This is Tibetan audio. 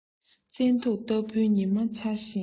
བཙན དུག ལྟ བུའི ཉི མ འཆར ཞེས